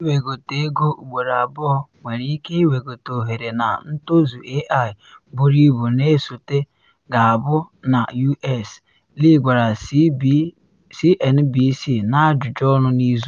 Iwegote ego ugboro abụọ nwere ike iwegote ohere na ntozu AI buru ibu na esote ga-abụ na U.S., Lee gwara CNBC n’ajụjụ ọnụ n’izu a.